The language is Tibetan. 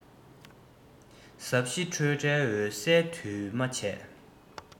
ཟབ ཞི སྤྲོས བྲལ འོད གསལ འདུས མ བྱས